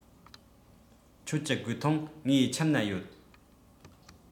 ཁྱོད ཀྱི གོས ཐུང ངའི ཁྱིམ ན ཡོད